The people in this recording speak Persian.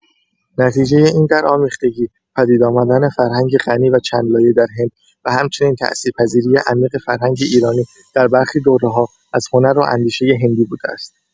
نتیجه این درآمیختگی، پدید آمدن فرهنگی غنی و چندلایه در هند و همچنین تأثیرپذیری عمیق فرهنگ ایرانی در برخی دوره‌ها از هنر و اندیشه هندی بوده است.